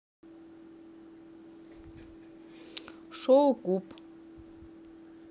шоу куб